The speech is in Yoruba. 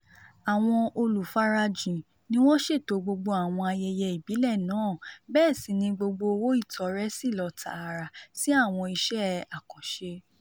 Àwọn olùfarajìn ni wọ́n ṣẹ̀tò gbogbo àwọn ayẹyẹ ìbílẹ̀ náà bẹ́ẹ̀ sì ni gbogbo owó ìtọrẹ sí lọ tààrà sí orí àwọn iṣẹ́ àkànṣe.